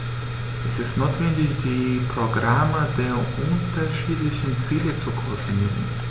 Es ist notwendig, die Programme der unterschiedlichen Ziele zu koordinieren.